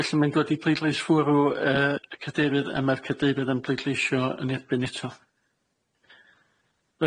Felly ma'n golygu pleidlais fwrw yy y cadeirydd a ma'r cadeirydd yn pleidleisio yn erbyn eto.